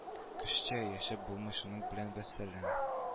Кешечә яшәп булмый - шуның белән вәссәлам